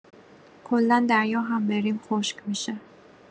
کلا دریا هم بریم خشک می‌شه